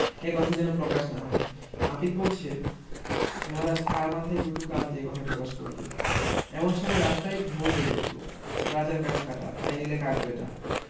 এ কথা যেন প্রকাশ না হয় নাপিত বলছে মহারাজ কার মাথায় দুটো কান যে এ কথা প্রকাশ করবে এমন সময় রাস্তায় ঢোল বেজে উঠল ‘রাজার কান কাটা তাই নিলে কাক ব্যাটা